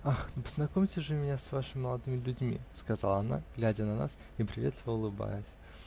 -- Ах, да познакомьте же меня с вашими молодыми людьми, -- сказала она, глядя на нас и приветливо улыбаясь.